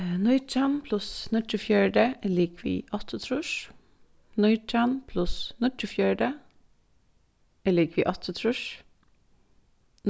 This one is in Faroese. nítjan pluss níggjuogfjøruti er ligvið áttaogtrýss nítjan pluss níggjuogfjøruti er ligvið áttaogtrýss